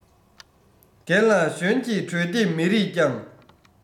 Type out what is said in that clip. རྒན ལ གཞོན གྱིས གྲོས འདེབས མི རིགས ཀྱང